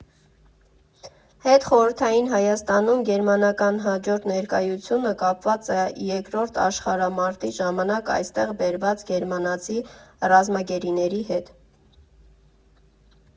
Հետխորհրդային Հայաստանում գերմանական հաջորդ ներկայությունը կապված է Երկրորդ աշխարհամարտի ժամանակ այստեղ բերված գերմանացի ռազմագերիների հետ։